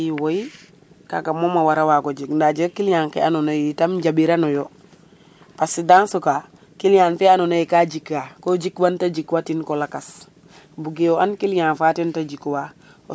i wey kaga mom a wara waago jeg nda a jega client ke ando naye it njambirano yo parce que dans ce cas fe ando naye ka jika ko jik wan te jik wa tin ko lakas bugo o an client fa ten te jik wa